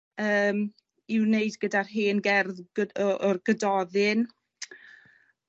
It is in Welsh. yym i wneud gyda'r hen gerdd Go- o o'r Gododdin.